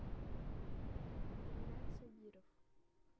ренат сабиров